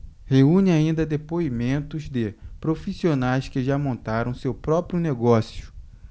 reúne ainda depoimentos de profissionais que já montaram seu próprio negócio